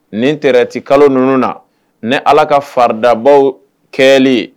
Nin traite kalo ninnu na ni allah ka faridabaw kɛli ye.